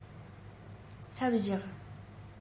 སླེབས བཞག